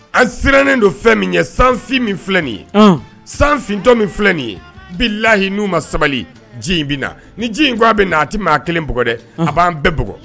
An sirannen don fɛn min ye san fi min filɛ nin ye san ftɔ min filɛ nin ye bi lahi n'u ma sabali ji in bɛ na ni ji in ko aa bɛ na a tɛ maa kelenug dɛ a b'an bɛɛ b